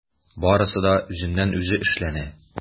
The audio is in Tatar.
Барысы да үзеннән-үзе эшләнә.